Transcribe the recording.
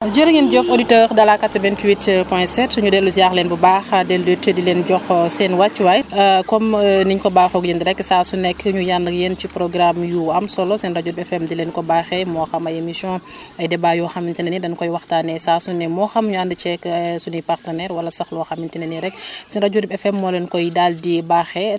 jërë ngeen jëf auditeurs de la 88 point 7 ñu dellu ziar leen bu baax dellu it di leen jox seen wàccuwaay comme ni ñu ko baaxoog yéen rek saa su nekk ñuy ànd ak yéen ci programme yu am solo seen rajo RIP FM di leen ko baaxee moo xam ay émissions ay débats yoo xamante ne ne dañu koy waxtaanee saa su ne moo xam ñu ànd ceeg suñuy partenaires wala sax loo xamante ne ni rek seen rajo RIP FM moo leen koy daal di baaxee